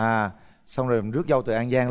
à xong rồi rước dâu từ an giang